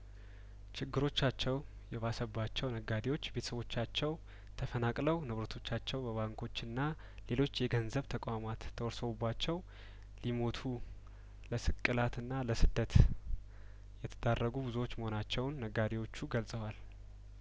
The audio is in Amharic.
ችግሮቻቸው የባሰባቸው ነጋዴዎች ቤተሰቦቻቸው ተፈናቅለው ንብረቶቻቸው በባንኮችና ሌሎች የገንዘብ ተቋማት ተወርሰውባቸው ሊሞቱ ለስቅላትና ለስደት የተዳረጉ ብዙዎች መሆናቸውን ነጋዴዎቹ ገልጸዋል